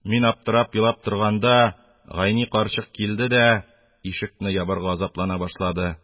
Мин аптырап, елап торганда, Гайни карчык килде дә, ишекне ябарга азаплана башлады